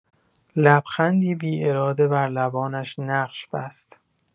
لبخندی بی‌اراده بر لبانش نقش بست.